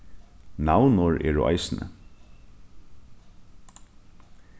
navnorð eru eisini